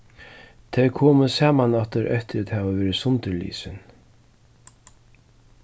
tey komu saman aftur eftir at hava verið sundurlisin